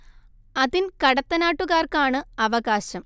അതിൻ കടത്തനാട്ടുകാർക്കാണ് അവകാശം